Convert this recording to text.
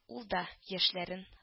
Ул да яшьләрен